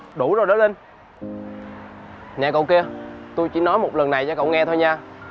đủ rồi đó linh nè cậu kia tui chỉ nói một lần này cho cậu nghe thôi nha